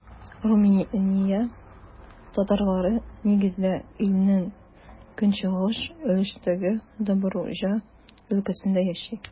Румыния татарлары, нигездә, илнең көнчыгыш өлешендәге Добруҗа өлкәсендә яши.